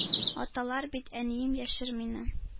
— аталар бит, әнием, яшер мине,